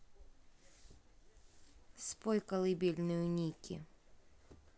спой колыбельную ники